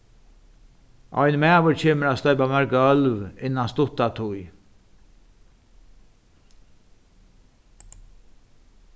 ein maður kemur at stoypa mær gólv innan stutta tíð